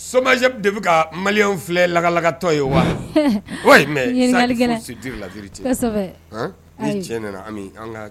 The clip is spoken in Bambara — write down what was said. SO MA GP de bi ka maliens filɛ lagalakatɔ ye wa ?. Ɲininkali gɛlɛn . mais il faut se dire la vérité ni tiɲɛ ami an ka